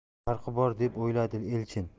farqi bor deb o'yladi elchin